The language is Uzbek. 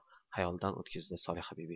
xayolidan o'tkazdi solihabibi